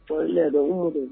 Foli le don Umu don